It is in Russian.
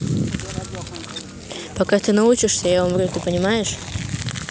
пока ты научишься я умру ты понимаешь